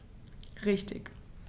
Richtig